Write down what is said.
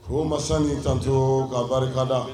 O ma san kaso ka barikada